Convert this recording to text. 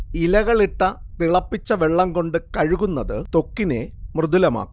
ഇലകളിട്ട തിളപ്പിച്ച വെള്ളം കൊണ്ടു കഴുകുന്നത് ത്വക്കിനെ മൃദുലമാക്കും